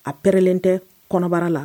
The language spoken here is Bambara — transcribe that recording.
A prêt len tɛ kɔnɔbara la